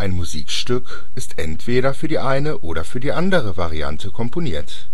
Musikstück ist entweder für die eine oder für die andere Variante komponiert